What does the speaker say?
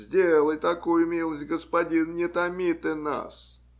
Сделай такую милость, господин! Не томи ты нас.